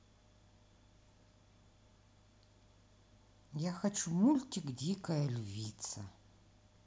я хочу мультики дикая львица